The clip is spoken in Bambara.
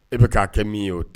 E bɛ k' kɛ min ye o